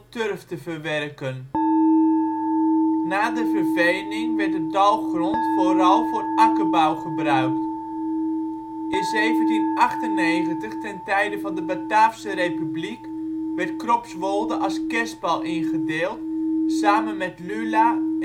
turf te verwerken. Na de vervening werden de dalgrond vooral voor akkerbouw gebruikt. In 1798 ten tijde van de Bataafse Republiek werd Kropswolde als kerspel ingedeeld samen met Lula